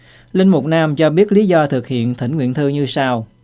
linh mục nam cho biết lý do thực hiện thỉnh nguyện thư như sau